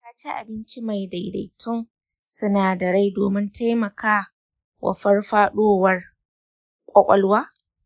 ka ci abinci mai daidaitattun sinadarai domin taimaka wa farfaɗowar ƙwaƙwalwa.